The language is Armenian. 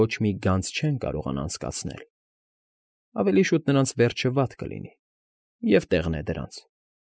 Ոչ մի գանձ չեն կարողանա անցկացնել։ Ավելի շուտ նրանց վերջը վատ կլինի, և տեղն է դրանց»։